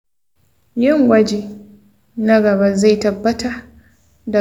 yin gwaji na gaba zai tabbatar da gano cutar.